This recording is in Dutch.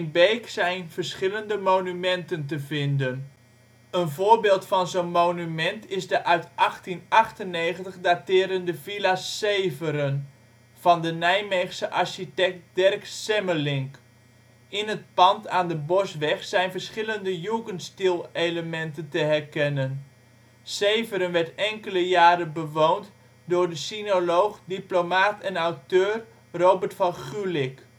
Beek zijn verschillende monumenten te vinden. Een voorbeeld van zo 'n monument is de uit 1898 daterende villa " Severen ", van de Nijmeegse architect Derk Semmelink. In het pand aan de Bosweg zijn verschillende jugendstil elementen te herkennen. " Severen " werd enkele jaren bewoond door de sinoloog, diplomaat en auteur Robert van Gulik